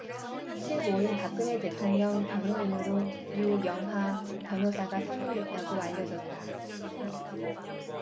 십 오 일 박근혜 대통령 변호인으로 유영하 변호사가 선임됐다고 알려졌다